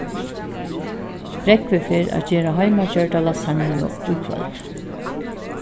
rógvi fer at gera heimagjørda lasanju í kvøld